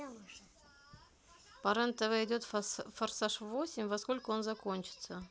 по рен тв идет форсаж восемь во сколько он закончится